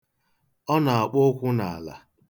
Ọ na-akpọ ụkwụ n'ala.